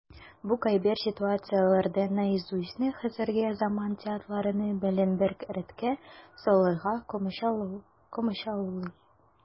Бу кайбер ситуацияләрдә "Наизусть"ны хәзерге заман театрылары белән бер рәткә салырга комачаулый.